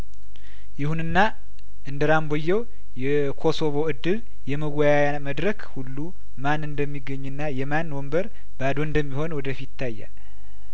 ይሁንና እንደ ራምቡየው የኮሶቮ እድል የመወያያ መድረክ ሁሉ ማን እንደሚገኝና የማን ወንበር ባዶ እንደሚሆን ወደፊት ይታያል